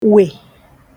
wè